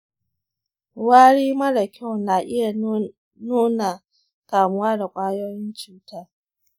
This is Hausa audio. wari mara kyau na iya nuna kamuwa da ƙwayoyin cuta.